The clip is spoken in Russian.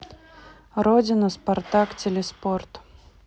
родина спартак телеспорт